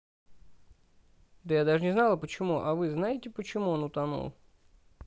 я даже не знала почему а вы знаете почему он утонул